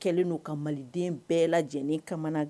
Kɛlen don ka maliden bɛɛ lajɛlen kamana